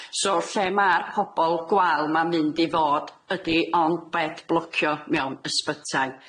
So lle ma'r pobol gwael ma'n mynd i fod ydi ond bed blocio mewn ysbytai?